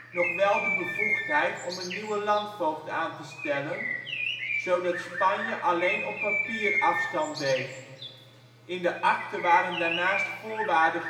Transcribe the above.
nog wel de bevoegdheid om een nieuwe landvoogd aan te stellen, zodat Spanje alleen op papier afstand deed. In de akte waren daarnaast voorwaarden